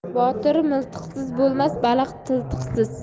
botir miltiqsiz bo'lmas baliq qiltiqsiz